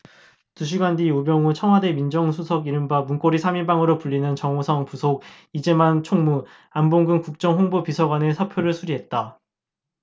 두 시간 뒤 우병우 청와대 민정수석 이른바 문고리 삼 인방으로 불리는 정호성 부속 이재만 총무 안봉근 국정홍보비서관의 사표를 수리했다